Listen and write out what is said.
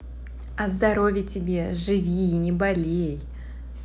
a здоровье тебе живи не болей